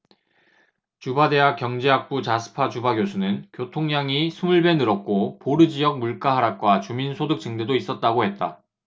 주바대학 경제학부 자스파 주바 교수는 교통량이 스물 배 늘었고 보르 지역 물가 하락과 주민 소득 증대도 있었다고 했다